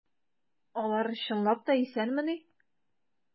Алар чынлап та исәнмени?